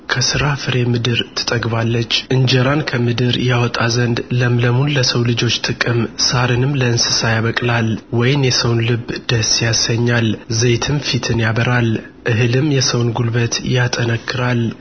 ከሥራህ ፍሬ ምድር ትጠግባለች እንጀራን ከምድር ያወጣ ዘንድ ለምለሙን ለሰው ልጆች ጥቅም ሣርንም ለእንስሳ ያበቅላል ወይን የሰውን ልብ ደስ ያሰኛል ዘይትም ፊትን ያበራል እህልም የሰውን ጕልበት ያጠነክራል